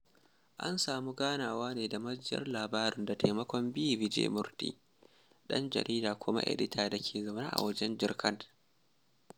An samu ganawa da majiyar labarin ne da taimakon B. vijay Murty, ɗan jarida kuma edita da ke zaune a wajen Jharkhand.